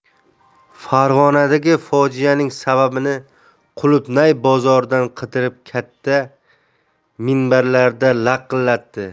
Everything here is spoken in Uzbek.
farg'onadagi fojianing sababini qulupnay bozoridan qidirib katta minbarda laqillatdi